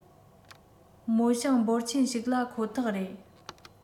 རྨོ ཞིང འབོར ཆེན ཞིག ལ ཁོ ཐག རེད